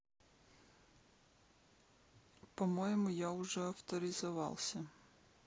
по моему я уже авторизировался